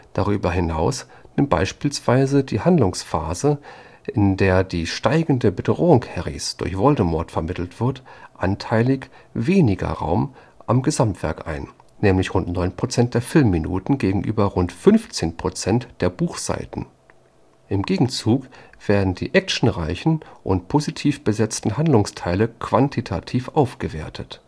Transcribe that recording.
Darüber hinaus nimmt beispielsweise die Handlungsphase, in der die steigende Bedrohung Harrys durch Voldemort vermittelt wird, anteilig weniger Raum am Gesamtwerk ein, nämlich rund 9 Prozent der Filmminuten gegenüber rund 15 Prozent der Buchseiten. Im Gegenzug werden die actionreichen und positiv besetzten Handlungsteile quantitativ aufgewertet